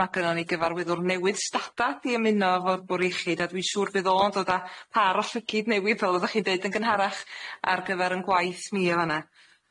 Ma' gynnon ni gyfarwyddwr newydd stadad i ymuno efo'r bwr' iechyd a dwi'n siŵr fydd o yn dod â par o llygid newydd fel oddach chi'n deud yn gynharach ar gyfer 'yn gwaith mi yn fan 'na.